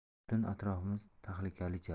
butun atrofimiz tahlikali jar